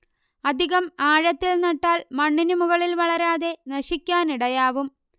അധികം ആഴത്തിൽ നട്ടാൽ മണ്ണിനു മുകളിൽ വളരാതെ നശിക്കാനിടയാവും